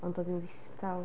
Ond oedd hi'n ddistaw.